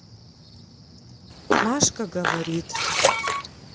машка говорит